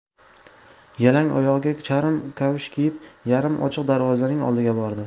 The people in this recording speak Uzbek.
yalang oyog'iga charm kavush kiyib yarim ochiq darvozaning oldiga bordi